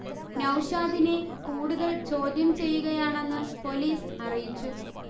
നൗഷാദിനെ കൂടുതൽ ചോദ്യം ചെയ്യുകയാണെന്ന് പൊലീസ് അറിയിച്ചു